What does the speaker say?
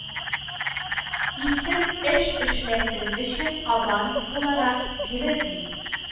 Исем эш эшләсен өчен аванс буларак бирелми